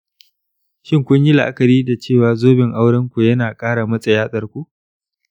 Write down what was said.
shin kun yi la'akari da cewa zoben aurenku ya na ƙara matse yatsarku?